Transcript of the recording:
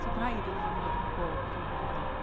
Sdim rhaid iddo fo fod yn bob dim i bawb.